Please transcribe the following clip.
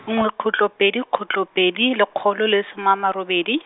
nngwe khutlo pedi khutlo pedi, lekgolo le soma ama robedi.